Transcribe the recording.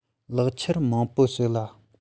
ལེགས ཆར མང པོ ཞིག ལ